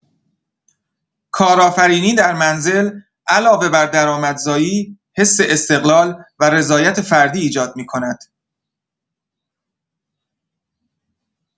کارآفرینی در منزل علاوه بر درآمدزایی، حس استقلال و رضایت فردی ایجاد می‌کند.